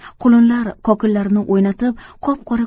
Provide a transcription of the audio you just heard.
qulunlar kokillarini o'ynatib qop qora